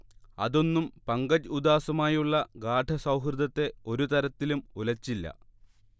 അതൊന്നും പങ്കജ് ഉദാസുമായുള്ള ഗാഢ സൗഹൃദത്തെ ഒരു തരത്തിലും ഉലച്ചില്ല